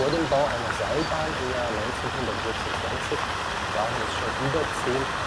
dem Bau einer Seilbahn im Jahr 1926 waren es schon über 10.000